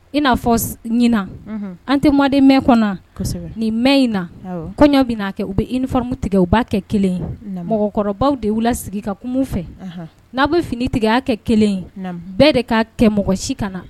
I n'a fɔ ɲɛnaan an tɛ mɔden mɛn kɔnɔ nin mɛn in na kɔɲɔ bɛ'a kɛ u bɛ i tigɛ uba kɛ kelen mɔgɔkɔrɔbaw de wula sigi ka kun fɛ n'a bɛ fini tigɛya kɛ kelen bɛɛ de ka kɛ mɔgɔ si kana na